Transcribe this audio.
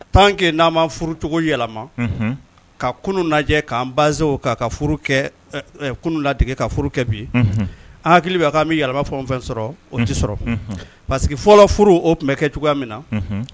Tan kɛ n'a ma furucogo yɛlɛma ka kun lajɛ k'an bazwtigɛ ka kɛ bi an hakili k'an bɛ yɛlɛma fɔ fɛn sɔrɔ o tɛ sɔrɔ parce fɔlɔ furu o tun bɛ kɛ cogoya min na